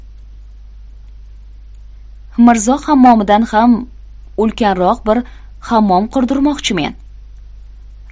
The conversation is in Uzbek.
mirzo hammomidan ham ulkanroq bir hammom qurdirmoqchimen